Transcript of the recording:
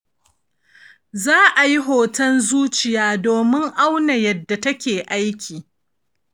za a yi hoton zuciya domin auna yadda take aiki